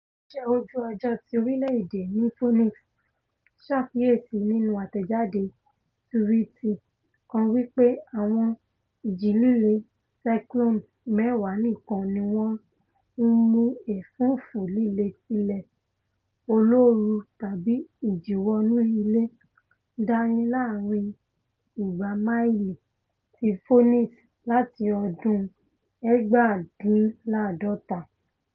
Ilé-iṣẹ́ Ojú-ọjọ́ ti orílẹ̀-èdè ní Phoenix ṣàkíyèsí nínú àtẹ̀jade tuwiti kan wí pé ''àwọn ìjì-líle cyclone mẹ́wàá nìkan níwọn nmú ẹ̀fúùfú lílé tilẹ̀ olóoru tàbi ìjìnwọnú-ilẹ̀ dání láàrin igba máìlì ti Phoenix láti ọdún 1950!